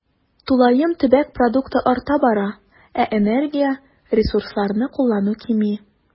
Тулаем төбәк продукты арта бара, ә энергия, ресурсларны куллану кими.